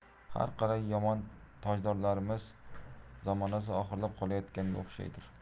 har qalay yomon tojdorlarning zamonasi oxirlab qolayotganga o'xshaydir